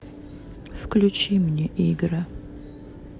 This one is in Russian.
включи мне игры